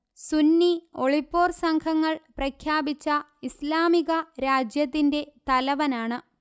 സുന്നി ഒളിപ്പോർ സംഘങ്ങൾ പ്രഖ്യാപിച്ച ഇസ്ലാമിക രാജ്യത്തിന്റെ തലവനാണ്